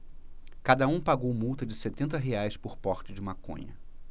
cada um pagou multa de setenta reais por porte de maconha